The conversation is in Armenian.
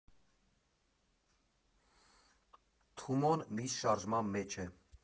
Թումոն միշտ շարժման մեջ է։